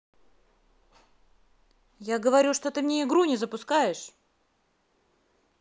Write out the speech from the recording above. я говорю что ты мне игру не запускаешь